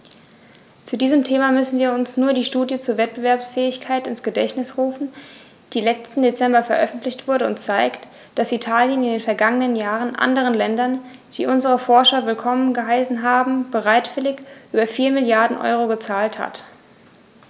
Zu diesem Thema müssen wir uns nur die Studie zur Wettbewerbsfähigkeit ins Gedächtnis rufen, die letzten Dezember veröffentlicht wurde und zeigt, dass Italien in den vergangenen Jahren anderen Ländern, die unsere Forscher willkommen geheißen haben, bereitwillig über 4 Mrd. EUR gezahlt hat.